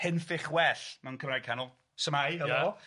Henffych well mewn Cymraeg canol, su' mae? Helo.